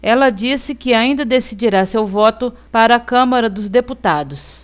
ela disse que ainda decidirá seu voto para a câmara dos deputados